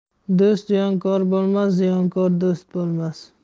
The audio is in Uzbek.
do'st ziyonkor bo'lmas ziyonkor do'st bo'lmas